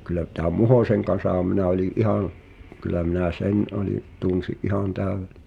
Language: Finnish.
kyllä tämän Muhosen kanssahan minä olin ihan kyllä minä sen olin tunsin ihan täydelleen